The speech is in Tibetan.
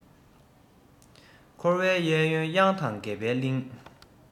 འཁོར བའི གཡས གཡོན གཡང དང གད པའི གླིང